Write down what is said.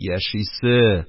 Яшисе,